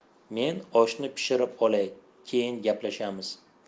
men oshni pishirib olay keyin gaplashamiz